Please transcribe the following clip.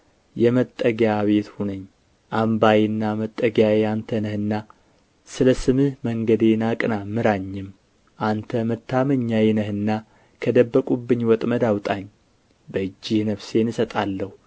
የመጠጊያ ቤት ሁነኝ አምባዬና መጠጊያዬ አንተ ነህና ስለ ስምህ መንገዴን አቅና ምራኝም አንተ መታመኛዬ ነህና ከደበቁብኝ ወጥመድ አውጣኝ በእጅህ ነፍሴን እሰጣለሁ